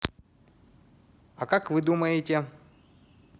а как вы думаете